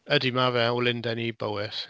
Ydi, mae fe o Lundain i Bowys.